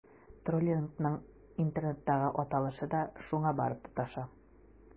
Троллингның интернеттагы аталышы да шуңа барып тоташа.